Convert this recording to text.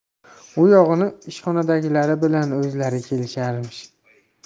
u yog'ini ishxonadagilari bilan o'zi kelisharmish